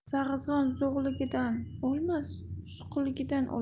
zag'izg'on sog'ligidan o'lmas suqligidan o'lar